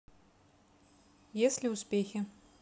если успехи